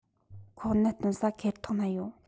ཁོག ནད སྟོན ས ཁེར ཐོག ན ཡོད